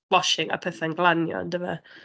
washing a pethe'n glanio ondife?